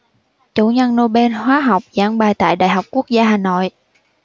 chủ nhân nobel hóa học giảng bài tại đại học quốc gia hà nội